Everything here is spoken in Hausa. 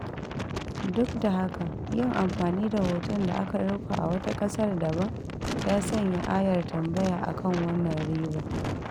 Duk da haka, yin amfani da hoton da aka ɗauka a wata ƙasar daban ya sanya ayar tambaya a kan wannan "riba".